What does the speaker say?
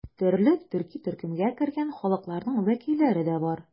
Төрле төрки төркемгә кергән халыкларның вәкилләре дә бар.